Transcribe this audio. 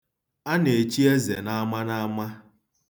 A na-ezi eze n'ama n'ama.